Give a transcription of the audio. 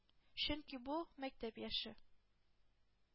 Чөнки бу – мәктәп яше.